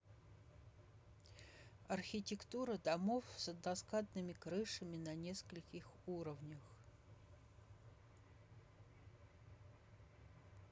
архитектура домов с односкатными крышами на нескольких уровнях